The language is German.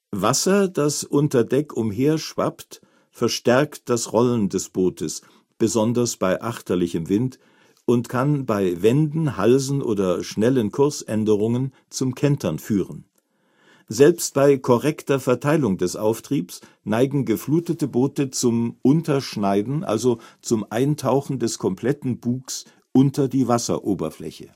Wasser, das unter Deck umherschwappt, verstärkt das Rollen des Bootes, besonders bei achterlichem Wind) und kann bei Wenden, Halsen oder schnellen Kursänderungen zum Kentern führen. Selbst bei korrekter Verteilung des Auftriebs neigen geflutete Boote zum Unterschneiden, also zum Eintauchen des kompletten Bugs unter die Wasseroberfläche